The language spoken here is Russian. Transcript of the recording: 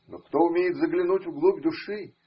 но кто умеет заглянуть в глубь души.